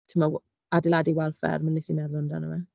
Timod, w- adeiladu wal fferm, a wnes i meddwl amdano fe.